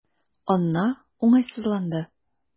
Анна уңайсызланды.